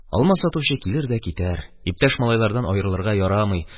Алма сатучы килер дә китәр, иптәш малайлардан аерылырга ярамый.